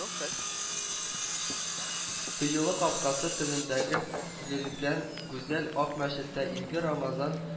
Тыюлык капкасы төбендә төзелгән гүзәл Ак мәчеттә изге Рамазан